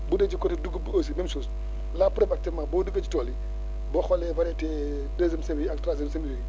bu dee ci côté dugub bi aussi même chose la preuve actuellement boo duggoon ci tool yi boo xoolee variété deuxième semis yi ak troisième semis yooyu